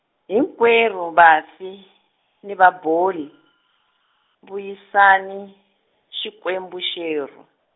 hinkwenu vafi, ni vaboli, vuyisani, Xikwembu xerhu.